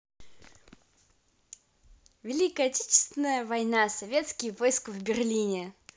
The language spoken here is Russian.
великая отечественная война советские войска в берлине